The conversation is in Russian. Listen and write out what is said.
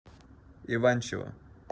иванчева